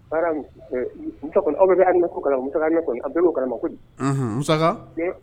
N kɔni aw bɛ musa kɔni an bɛma kosa